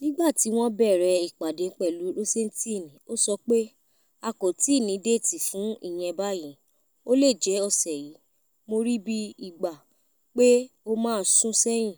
Nígbà tí wọ́n bèèrè ìpàdé pẹ̀lú Rosenstein, ó sọ pé: "A kò tíì ní déètì fún ìyẹn báyìí, ó le jẹ́ ọ̀ṣẹ̀ yìí, mó rí bí ìgbà pé ó máa sún ṣẹ́yìn